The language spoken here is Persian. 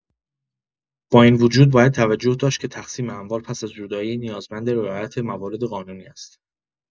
با این وجود، باید توجه داشت که تقسیم اموال پس از جدایی، نیازمند رعایت موارد قانونی است.